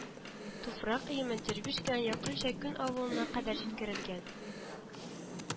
Туфрак өеме Дербышкидан якынча Күн авылына кадәр җиткерелгән